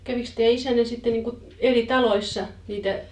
kävikös teidän isänne sitten niin kuin eri taloissa niitä